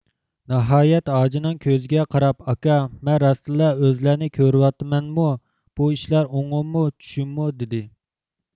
ناھايەت ھاجىنىڭ كۆزىگە قاراپ ئاكا مەن راستتىنلا ئۆزلەنى كۆرۈۋاتىمەنمۇ بۇ ئىشلار ئوڭۇممۇ چۈشۈممۇ دېدى